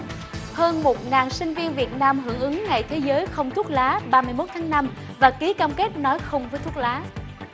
hơn một ngàn sinh viên việt nam hưởng ứng ngày thế giới không thuốc lá ba mươi mốt tháng năm và ký cam kết nói không với thuốc lá